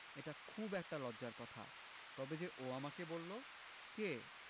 এটা খুব একটা লজ্জার কথা তবে যে ও আমাকে বললো কে